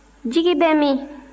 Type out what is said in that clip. jigi bɛ min